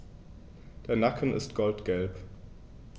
Der Nacken ist goldgelb.